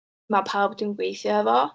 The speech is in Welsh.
Ma' pawb dwi'n gweithio efo...